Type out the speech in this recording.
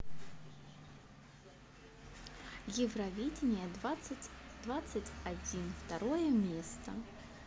евровидение двадцать двадцать один второе место